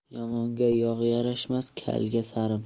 yomonga yog' yarashmas kalga sarimsoq